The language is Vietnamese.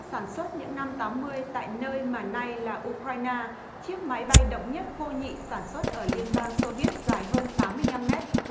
sản xuất những năm tám mươi tại nơi mà nay là u cờ rai na chiếc máy bay độc nhất vô nhị sản xuất ở liên bang xô viết dài hơn tám mươi nhăm mét